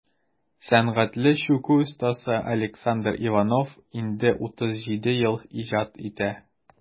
Сәнгатьле чүкү остасы Александр Иванов инде 37 ел иҗат итә.